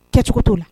Cɛcogo t'o la